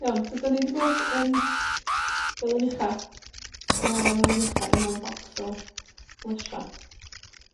Iawn. So 'dan ni di bod yn Felyn Ucha, ganolfan Felyn Ucha i nôl bocs o lysia.